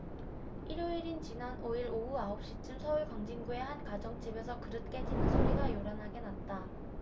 일요일인 지난 오 일 오후 아홉 시쯤 서울 광진구의 한 가정집에서 그릇 깨지는 소리가 요란하게 났다